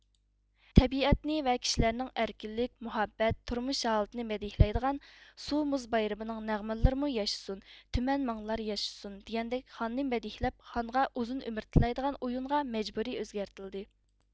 تەبىئەتنى ۋە كىشىلەرنىڭ ئەركىنلىك مۇھەببەت تۇرمۇش ھالىتىنى مەدھىيلەيدىغان سۇ مۇز بايرىمىنىڭ نەغمىلىرىمۇ ياشىسۇن تۈمەن مىڭ يىللار ياشىسۇن دېگەندەك خاننى مەدھىيلەپ خانغا ئۇزۇن ئۆمۈر تىلەيدىغان ئۇيۇنغا مەجبۇرى ئۆزگەرتىلدى